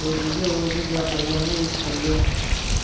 o'ziga o'zi gapirgani eshitildi